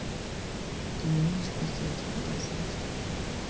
ты умеешь картинки показывать